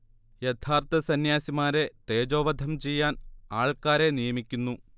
യഥാർത്ഥ സന്യാസിമാരെ തേജോവധം ചെയ്യാൻ ആൾക്കാരെ നിയമിക്കുന്നു